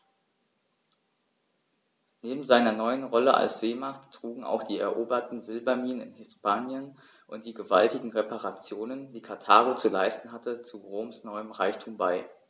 Neben seiner neuen Rolle als Seemacht trugen auch die eroberten Silberminen in Hispanien und die gewaltigen Reparationen, die Karthago zu leisten hatte, zu Roms neuem Reichtum bei.